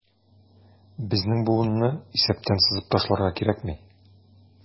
Безнең буынны исәптән сызып ташларга кирәкми.